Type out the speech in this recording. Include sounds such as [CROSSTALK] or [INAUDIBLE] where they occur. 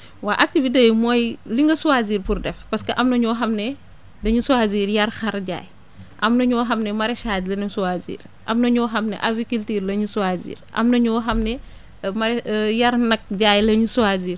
waa activités yi mooy li nga choisir pour def parce que am na ñoo xam ne dañu choisir yar xar jaay am na ñoo xam ne maraichage la dem choisir am na ñoo xam ne aviculture la ñu choisir am na ñu nga xam ne marai [HESITATION] yar nag jaay la ñu choisir